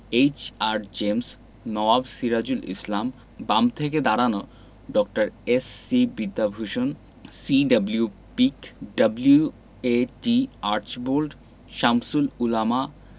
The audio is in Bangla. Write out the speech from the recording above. এইচ.আর. জেমস নওয়াব সিরাজুল ইসলাম বাম থেকে দাঁড়ানো ড. S C. Vidyabhushan C W. Peake W A T. Archbold Shamsul উলামা